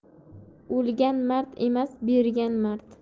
olgan mard emas bergan mard